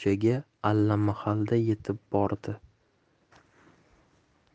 ko'chaga allamahalda yetib bordi